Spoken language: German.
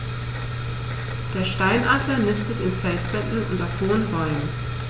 Der Steinadler nistet in Felswänden und auf hohen Bäumen.